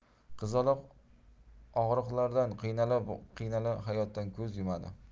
qizaloq og'riqlardan qiynala qiynala hayotdan ko'z yumadi